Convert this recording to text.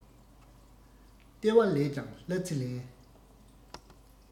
ལྟེ བ ལས ཀྱང གླ རྩི ལེན